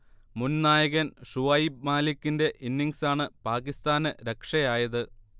മുൻ നായകൻ ഷുഐബ് മാലിക്കിന്റെ ഇന്നിങ്സാണ് പാകിസ്താന് രക്ഷയായത്